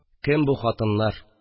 Кем бу хатыннар